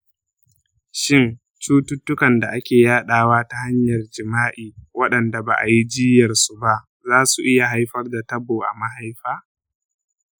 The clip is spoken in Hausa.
shin cututtukan da ake yaɗawa ta hanyar jima'i waɗanda ba a yi jiyyar su ba za su iya haifar da tabo a mahaifa?